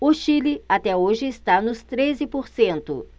o chile até hoje está nos treze por cento